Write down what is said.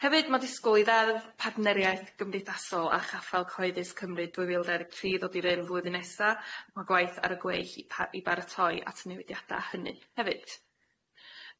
Hefyd ma' disgwyl i ddedd partneriaeth gymdeithasol a Chaffael Cyhoeddus Cymru dwy fil daudeg tri ddod i ryn flwyddyn nesa ma' gwaith ar y gweill i pa- i baratoi at newidiada hynny hefyd.